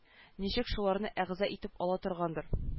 Ничек шуларны әгъза итеп ала торгандыр